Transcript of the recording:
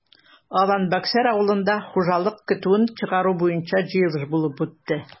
Алан-Бәксәр авылында хуҗалык көтүен чыгару буенча җыелыш булып үтте.